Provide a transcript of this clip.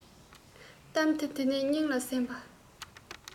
གཏམ དེ བདེན ན སྙིང ལ གཟན པ